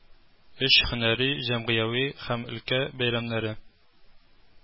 Өч һөнәри, җәмгыяви һәм өлкә бәйрәмнәре